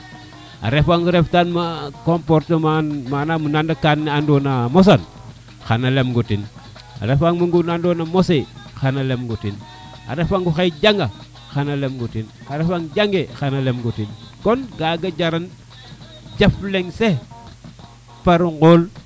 a ref ref tang ma comportement manaam nana kaan ne andona a mosan xana lem ngo tef a refan mose xana lem ngo ten a refan oxey janga xana lem ngo ten a refan jange xana lem nngo ten kon gaga jaran jaf leŋ sax par o ŋool